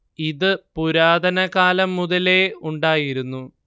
ഇത് പുരാതന കാലം മുതലേ ഉണ്ടായിരുന്നു